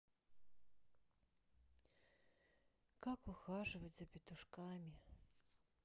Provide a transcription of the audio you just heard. как ухаживать за петушками